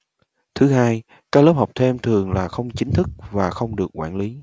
thứ hai các lớp học thêm thường là không chính thức và không được quản lý